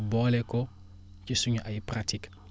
boole ko ci suñu ay pratiques